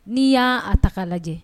N'i y'a a taga lajɛ